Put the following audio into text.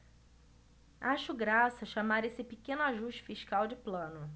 acho graça chamar esse pequeno ajuste fiscal de plano